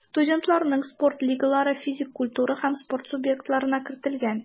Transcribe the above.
Студентларның спорт лигалары физик культура һәм спорт субъектларына кертелгән.